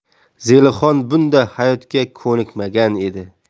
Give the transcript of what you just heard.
zelixon bunday hayotga ko'nikmagan edi